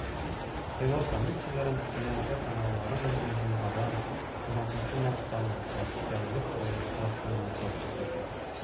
Сайлау комиссияләрен элемтә каналларын инде җомгадан, 16 марттан башлап, тәүлек буе Роскомнадзор күзәтә.